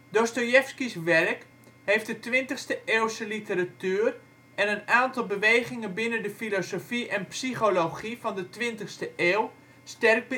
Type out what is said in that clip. Dostojevski 's werk heeft de 20e-eeuwse literatuur, en een aantal bewegingen binnen de filosofie en psychologie van de 20e eeuw sterk